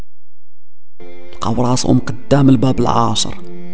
ابو عصام قدام الباب العصر